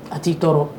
A t'i tɔɔrɔ